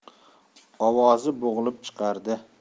ovozi bo'g'ilib chiqardi